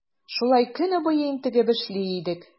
Шулай көне буе интегеп эшли идек.